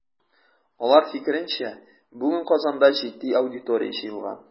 Алар фикеренчә, бүген Казанда җитди аудитория җыелган.